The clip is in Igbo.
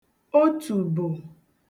otùbò